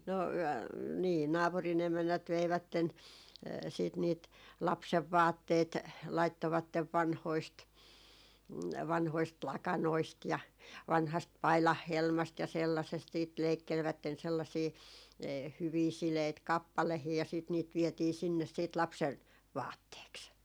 no niin naapurin emännät veivät sitten niitä lapsenvaatteet laittoivat vanhoista vanhoista lakanoista ja vanhasta paidanhelmasta ja sellaisesta sitten leikkelivät sellaisia hyviä sileitä kappaleita ja sitten niitä vietiin sinne sitten lapsen vaatteeksi